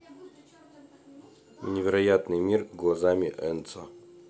невероятный мир глазами энцо